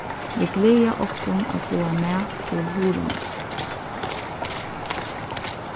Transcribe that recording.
vit gleða okkum at fáa mat til hurðina